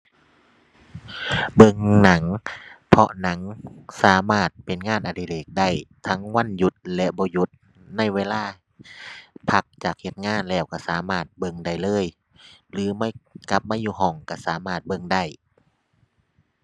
เบิ่งหนัง เพราะหนังสามารถเป็นงานอดิเรกได้ ทั้งวันหยุดและบ่หยุด ในเวลา พักจากเฮ็ดงานแล้วก็สามารถเบิ่งได้เลย หรือไม่กลับมาอยู่ห้องก็สามารถเบิ่งได้